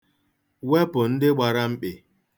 Wepụ ndị gbara mkpị.